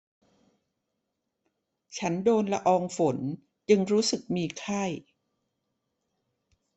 ฉันโดนละอองฝนจึงรู้สึกมีไข้